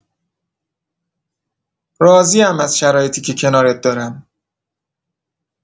راضی‌ام از شرایطی که کنارت دارم.